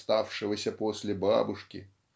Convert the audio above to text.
оставшегося после бабушки.